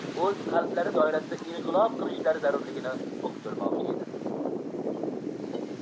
o'z qalblari doirasida inqilob qilishlari zamrligini uqdirmoqchi edi